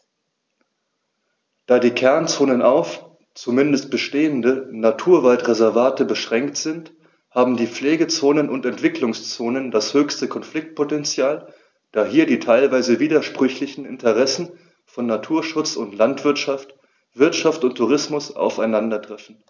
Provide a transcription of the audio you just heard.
Da die Kernzonen auf – zumeist bestehende – Naturwaldreservate beschränkt sind, haben die Pflegezonen und Entwicklungszonen das höchste Konfliktpotential, da hier die teilweise widersprüchlichen Interessen von Naturschutz und Landwirtschaft, Wirtschaft und Tourismus aufeinandertreffen.